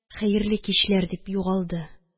«хәерле кичләр!» дип югалды